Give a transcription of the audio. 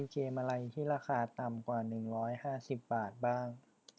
มีเกมอะไรที่ราคาต่ำกว่าหนึ่งร้อยห้าสิบบาทบ้าง